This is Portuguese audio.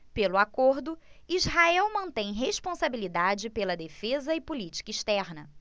pelo acordo israel mantém responsabilidade pela defesa e política externa